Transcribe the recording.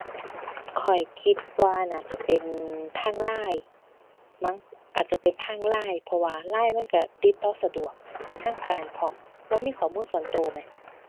ข้อยคิดว่าน่าจะเป็นทาง LINE มั้ง อาจจะเป็นทาง LINE เพราะว่า LINE มันก็ติดต่อสะดวก เป็นทางการพร้อม บ่มีข้อมูลส่วนก็แหม